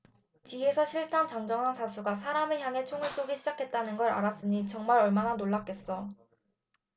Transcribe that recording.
뒤에서 실탄 장전한 사수가 사람을 향해 총을 쏘기 시작했다는 걸 알았으니 정말 얼마나 놀랐겠어